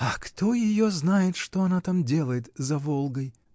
— А кто ее знает, что она там делает за Волгой?